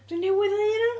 Dwi newydd ddeud hynna!